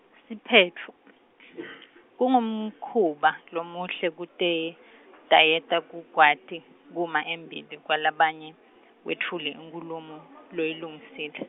siphetfo , Kungumkhuba, lomuhle kutetayeta kukwati, kuma embili kwalabanye, wetfule inkhulumo, loyilungisile.